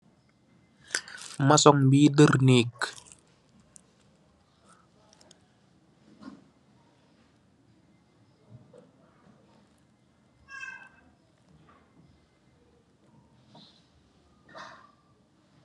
Mason bui dër nèèk.